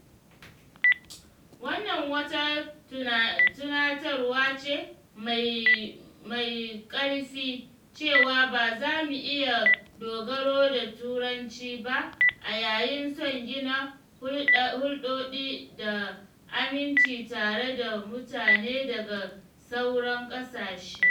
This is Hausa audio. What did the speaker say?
Wannan wata tunatarwa ce mai ƙarfi cewa ba za mu iya dogaro da Turanci ba a yayin son gina hulɗoɗi da aminci tare da mutane daga sauran ƙasashe.